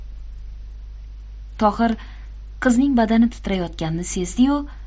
tohir qizning badani titrayotganini sezdi yu